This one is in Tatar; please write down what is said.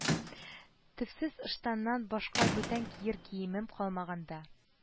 - төпсез ыштаннан башка бүтән кияр киемем калмаганга